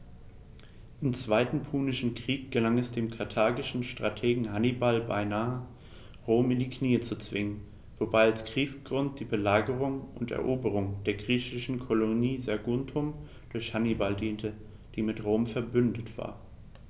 Im Zweiten Punischen Krieg gelang es dem karthagischen Strategen Hannibal beinahe, Rom in die Knie zu zwingen, wobei als Kriegsgrund die Belagerung und Eroberung der griechischen Kolonie Saguntum durch Hannibal diente, die mit Rom „verbündet“ war.